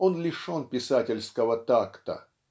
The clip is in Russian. он лишен писательского такта.